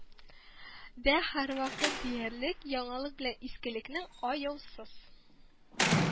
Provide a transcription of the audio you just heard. Дә һәрвакыт диярлек яңалык белән искелекнең аяусыз